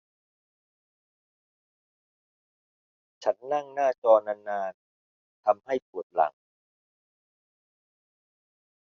ฉันนั่งหน้าจอนานนานทำให้ปวดหลัง